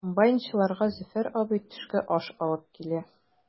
Комбайнчыларга Зөфәр абзый төшке аш алып килә.